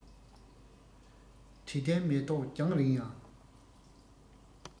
དྲི ལྡན མེ ཏོག རྒྱང རིང ཡང